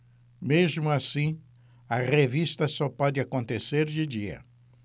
mesmo assim a revista só pode acontecer de dia